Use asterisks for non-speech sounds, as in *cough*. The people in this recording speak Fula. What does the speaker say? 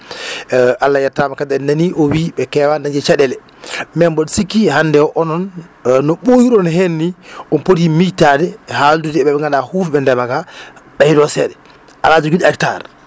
*breath* Allah yettama kadi en nani o wi ɓe kewani dañde caɗele mais mboɗo sikki hande o onoon *hesitation* no ɓooyir ɗon henni on pooti mictade haaldude ɓe ɓe ganduɗa hufɓe ndeema ka ɓeydo seeɗa ala joguiɗo hectare